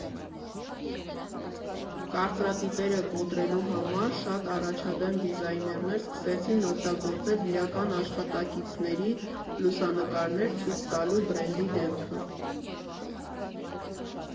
Կարծրատիպերը կոտրելու համար շատ առաջադեմ դիզայներներ սկսեցին օգտագործել իրական աշխատակիցների լուսանկարներ՝ ցույց տալու բրենդի դեմքը։